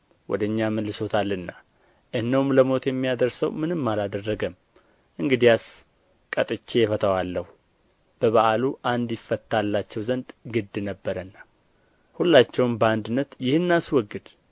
ወደ እኛ መልሶታልና እነሆም ለሞት የሚያደርሰው ምንም አላደረገም እንግዲያስ ቀጥቼ እፈታዋለሁ በበዓሉ አንድ ይፈታላቸው ዘንድ ግድ ነበረና ሁላቸውም በአንድነት ይህን አስወግድ